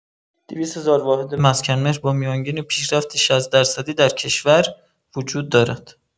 ۲۰۰ هزار واحد مسکن مهر با میانگین پیشرفت ۶۰ درصدی در کشور وجود دارد.